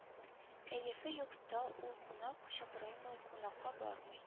Кәефе юкта ул кунак чакырмый кунакка бармый